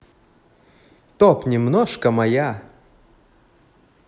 топ немножко моя